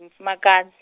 mufumakad- .